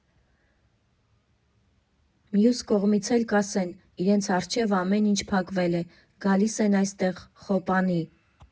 Մյուս կողմից էլ կասեն՝ իրենց առջև ամեն ինչ փակվել է, գալիս են այստեղ՝ «խոպանի»։